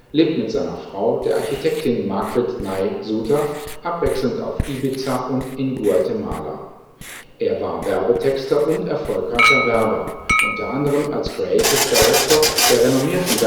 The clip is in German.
mit seiner Frau, der Architektin Margrith Nay Suter, abwechselnd auf Ibiza und in Guatemala, war Werbetexter und erfolgreicher Werber (u.a. als Creative Director der renommierten